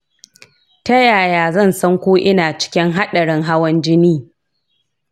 ta yaya zan san ko ina cikin haɗarin hawan jini?